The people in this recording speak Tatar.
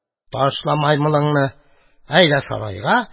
Ташла маймылыңны, әйдә сарайга!